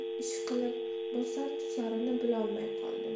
ishqilib bosar tusarini bilolmay qoldi